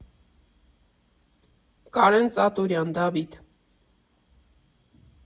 Կարեն Ծատուրյան՝ Դավիթ։